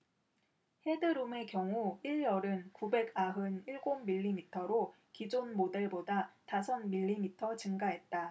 헤드룸의 경우 일 열은 구백 아흔 일곱 밀리미터로 기존 모델보다 다섯 밀리미터 증가했다